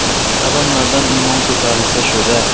odamlardan iymon ko'tarilsa shu da